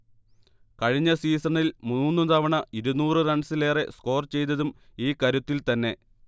കഴിഞ്ഞ സീസണിൽ മൂന്നുതവണ ഇരുനൂറ് റൺസിലേറെ സ്കോർ ചെയ്തതും ഈ കരുത്തിൽത്തന്നെ